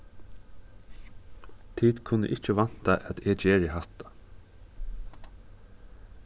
tit kunnu ikki vænta at eg geri hatta